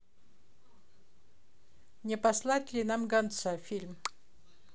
не послать ли нам гонца фильм